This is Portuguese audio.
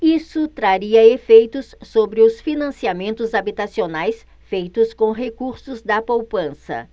isso traria efeitos sobre os financiamentos habitacionais feitos com recursos da poupança